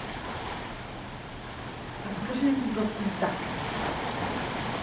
расскажи анекдот пиздатый